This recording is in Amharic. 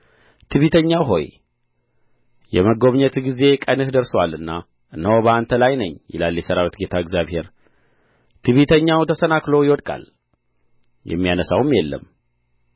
ትዕቢተኛው ሆይ የመጐብኘትህ ጊዜ ቀንህ ደርሶአልና እነሆ በአንተ ላይ ነኝ ይላል የሠራዊት ጌታ እግዚአብሔር ትዕቢተኛው ተሰናክሎ ይወድቃል የሚያነሣውም የለም